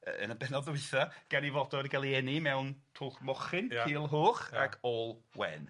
Yy yn y bennod dwytha gan 'i fod o 'di ga'l 'i eni mewn twlch mochyn. Ia. Culhwch.Ia. Ac Ôl wen.